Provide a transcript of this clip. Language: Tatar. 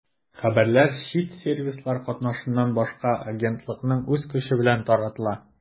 Хәбәрләр чит сервислар катнашыннан башка агентлыкның үз көче белән таратыла.